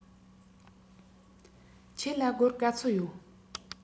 ཁྱེད ལ སྒོར ག ཚོད ཡོད